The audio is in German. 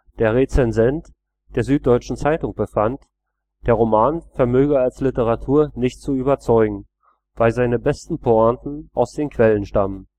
Der Rezensent der Süddeutschen Zeitung befand, der Roman vermöge als Literatur nicht zu überzeugen, „ weil seine besten Pointen aus den Quellen stammen